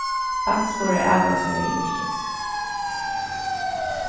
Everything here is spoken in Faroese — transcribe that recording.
barnsburðaravloysari ynskist